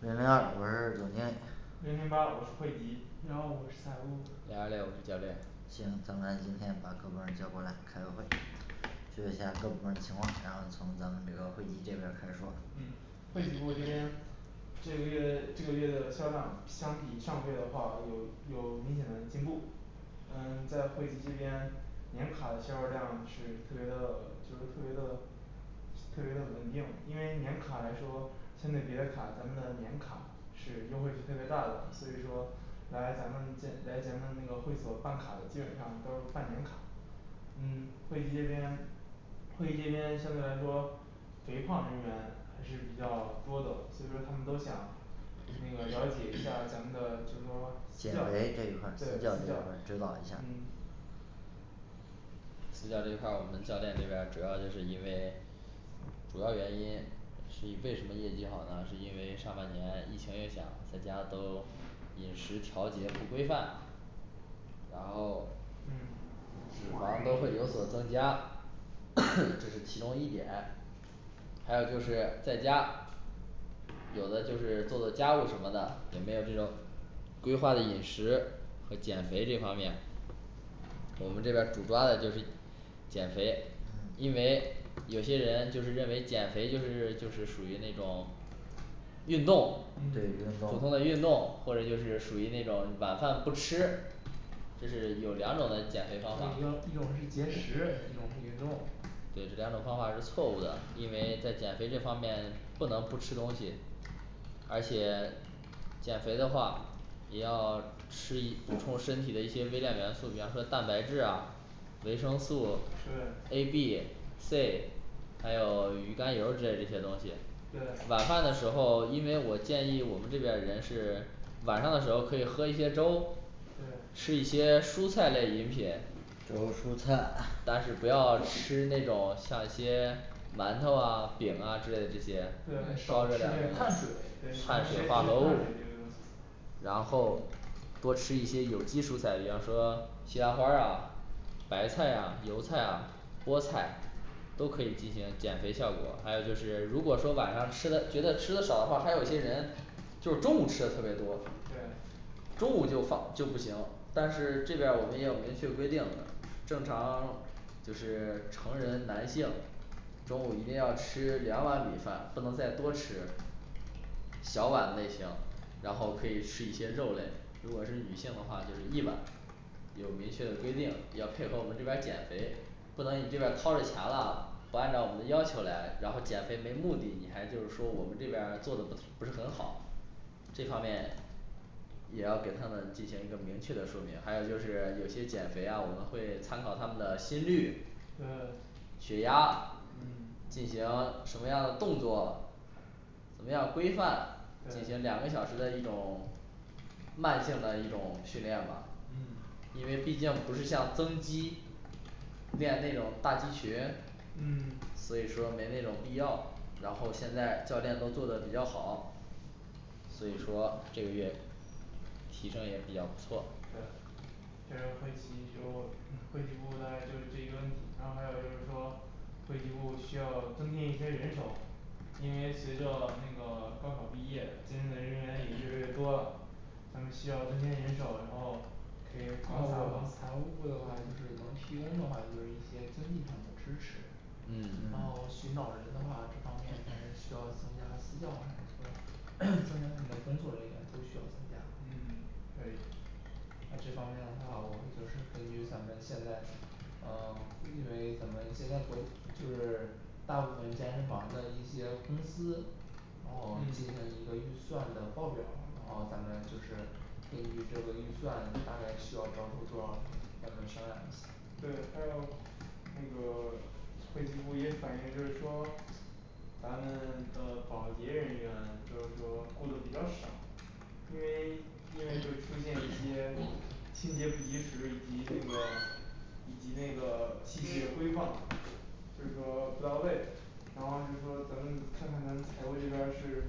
零零二我是总经理零零八我是会籍零幺五我是财务零二六我是教练行咱们今天把各部门儿叫过来开个会说一下各部门儿的情况然后从咱们这个会籍这边儿开始说嗯会籍部这边这个月这个月的销量相比上个月的话有有明显的进步嗯 在会籍这边年卡销售量是特别的 就是特别的特别的稳定因为年卡来说相对别的卡咱们的年卡是优惠是特别大的所以说来咱们健来咱们那个会所办卡的基本上都是办年卡嗯 会籍这边会籍这边相对来说肥胖人员还是比较多的所以说他们都想那个了解一下儿咱们的就是说私减教对肥这一块儿私私教教指导一下嗯私教这一块儿我们教练这边儿主要就是因为 主要原因是为什么业绩好呢是因为上半年疫情影响在家都饮食调节不规范然后嗯脂肪都会有所增加 这是其中一点还有就是在家有的就是做做家务什么的也没有这种规划的饮食和减肥这方面我们这边儿主抓的就是减肥因嗯为有些人就是认为减肥就是就是属于那种运动嗯普通的对运动运动或者就是属于那种晚饭不吃这是有对一两种的减肥方法这个一种是节食一种是运动两种方法是错误的因为在减肥这方面不能不吃东西而且 减肥的话也要吃一补充身体的一些微量元素比方说蛋白质啊维生素对 A B C还有鱼肝油之类的这些东西晚饭对的时候因为我建议我们这边儿人是晚上的时候可以喝一些粥吃一对些蔬菜类饮品比如蔬菜但是不要吃那种像一些馒头啊饼啊之类这些对少吃碳水的碳水碳这些水化合物东西然后多吃一些有机蔬菜比方说西兰花儿啊白菜啊油菜啊菠菜都可以进行减肥效果还有就是如果说晚上吃的觉得吃的少的话还有一些人就是中午吃的特别多对中午就放就不行但是这边儿我们也有明确规定的正常就是成人男性中午一定要吃两碗米饭不能再多吃小碗类型然后可以吃一些肉类如果是女性的话就是一碗有明确的规定要配合我们这边儿减肥不能你这边儿掏着钱啦不按照我们的要求来然后减肥没目的你还就是说我们这边儿做的不不是很好这方面也要给他们进行一个明确的说明还有就是有些减肥啊我们会参考他们的心对率血压进嗯行什么样的动作怎么样规范进行两个对小时的一种慢性的一种训练吧嗯因为毕竟不是像增肌练那种大肌群所嗯以说没那种必要然后现在教练都做得比较好所以说这个月提升也比较不对错这边儿会籍就 会籍部大概就这一个问题然后还有就是说会籍部需要增进一些人手因为随着那个高考毕业健身的人员也越来越多了咱们需要增添人手然后可以搞然后我好们财务部的话就是能提供的话就是一些经济上的支持嗯然后寻找人的话这方面还是需要增加私教还是说 增加你们工作人员都需要增加嗯可那以这方面的话我会就是根据咱们现在嗯 因为咱们现在国就是大部分健身房的一些公司然后进行嗯一个预算的报表儿然后咱们就是根据这个预算大概需要招收多少咱们商量一下对还有那个会籍部也反应就是说咱们的保洁人员就是说雇的比较少因为因为有出现一些清洁不及时以及那个以及那个 细节的规划就是说不到位然后就是说咱们看看咱财务这边儿是